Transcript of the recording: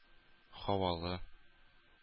Һавалы